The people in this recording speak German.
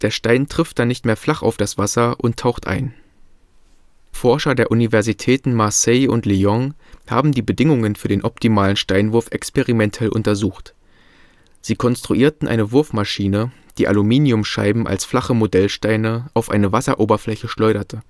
Stein trifft dann nicht mehr flach auf das Wasser und taucht ein. Bewegungsablauf beim Steinehüpfen. Im Detail der Aufprall des Steins auf die Wasseroberfläche. Er erzeugt eine Bugwelle, die, falls seine Geschwindigkeit höher ist als die der Welle, wie eine Sprungschanze wirkt. Forscher der Universitäten Marseille und Lyon haben die Bedingungen für den optimalen Steinwurf experimentell untersucht. Sie konstruierten eine Wurfmaschine, die Aluminiumscheiben als flache Modellsteine auf eine Wasseroberfläche schleuderte